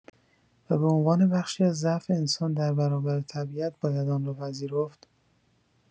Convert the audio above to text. و به عنوان بخشی از ضعف انسان در برابر طبیعت باید آن را پذیرفت؟